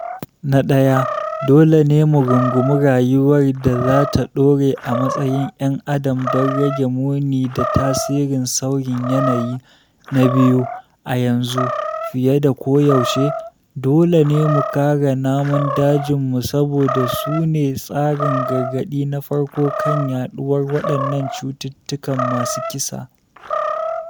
“Na ɗaya, dole ne mu rungumi rayuwar da za ta ɗore a matsayin 'yan adam don rage muni da tasirin sauyin yanayi; na biyu, a yanzu, fiye da koyaushe, dole ne mu kare namun dajinmu saboda su ne tsarin gargaɗi na farko kan yaɗuwar waɗannan cututtukan masu kisa.”